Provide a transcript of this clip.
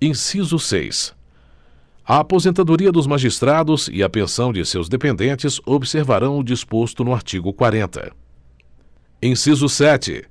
inciso seis a aposentadoria dos magistrados e a pensão de seus dependentes observarão o disposto no artigo quarenta inciso sete